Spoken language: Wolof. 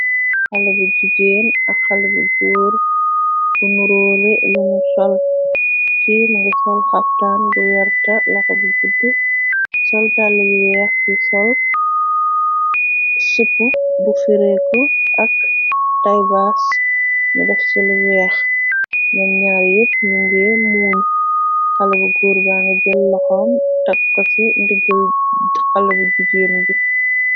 Xale bi jigeen ak xale bu goor bu nuroole luñu sol, ki ngi sol xaftaan bu yerta laxa bu jud sol talla yu weex, ki osëp bu fireeko ak taybas ni daf ci lu weex, nan ñaar yepb mi nge muuñ, xale bu goor bangi jël laxoom takka ci ndig xale bu jigeen bi.